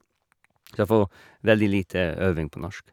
Så jeg får veldig lite øving på norsk.